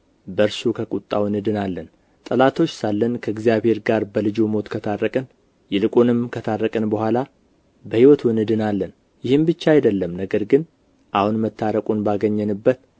በእርሱ ከቍጣው እንድናለን ጠላቶች ሳለን ከእግዚአብሔር ጋር በልጁ ሞት ከታረቅን ይልቁንም ከታረቅን በኋላ በሕይወቱ እንድናለን ይህም ብቻ አይደለም ነገር ግን አሁን መታረቁን ባገኘንበት